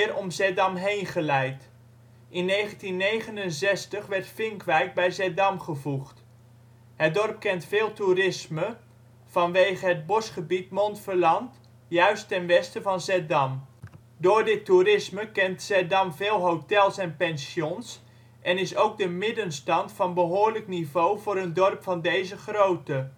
om Zeddam heen geleid. In 1969 werd Vinkwijk bij Zeddam gevoegd. Het dorp kent veel toerisme vanwege het bosgebied Montferland juist ten westen van Zeddam. Door dit toerisme kent Zeddam veel hotels en pensions en is ook de middenstand van behoorlijk niveau voor een dorp van deze grootte